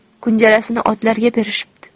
kunjarasini otlarga berishibdi